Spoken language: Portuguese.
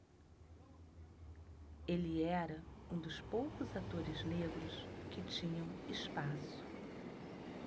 ele era um dos poucos atores negros que tinham espaço